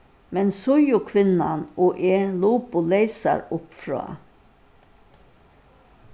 men síðukvinnan og eg lupu leysar uppfrá